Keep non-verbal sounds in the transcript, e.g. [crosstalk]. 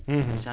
[hesitation] [hesitation]